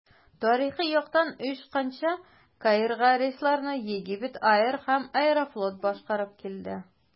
Тарихи яктан оешканча, Каирга рейсларны Egypt Air һәм «Аэрофлот» башкарып килде.